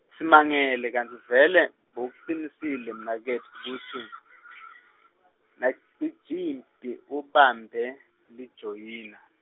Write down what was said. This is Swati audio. simangele kantsi vele bowucinisile mnaketfu kutsi naCijimphi ubambe lijoyina?